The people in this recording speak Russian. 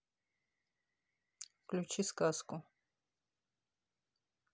включи сказку